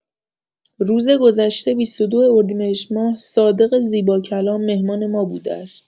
روز گذشته ۲۲ اردیبهشت‌ماه، صادق زیباکلام مهمان ما بوده است.